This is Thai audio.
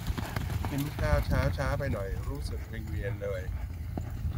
กินข้าวเช้าช้าไปหน่อยรู้สึกวิงเวียนเลย